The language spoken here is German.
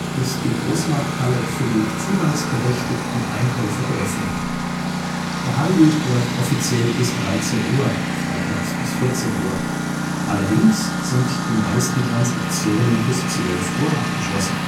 ist die Großmarkthalle für die zugangsberechtigten Einkäufer geöffnet. Der Handel läuft offiziell bis 13:00 Uhr (Freitag bis 14:00 Uhr), allerdings sind die meisten Transaktionen bis 12:00 Uhr abgeschlossen